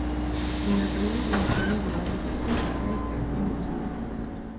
Հիմնականում իմիջային գովազդի դեպքում կարելի է կրեատիվ լուծումներ գտնել.